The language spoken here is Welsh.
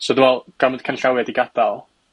So dwi me'wl, gan fod canllawia 'di gadal